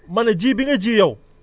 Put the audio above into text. ma ne ji bi nga ji yow